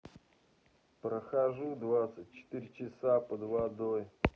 прохожу двадцать четыре часа под водой